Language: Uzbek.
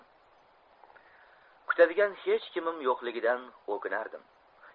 kutadigan hech kimim yo'qligidan o'kinardim